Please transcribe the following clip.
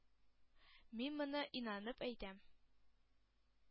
Мин моны инанып әйтәм.